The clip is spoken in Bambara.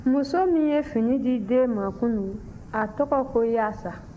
muso min ye fini di den ma kunun a tɔgɔ ko yaasa